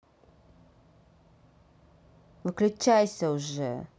выключайся уже